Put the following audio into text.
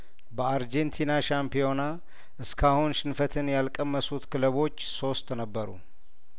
በአርጀንቲና ሻምፒዮና እስካሁን ሽንፈትን ያልቀመሱት ክለቦች ሶስት ነበሩ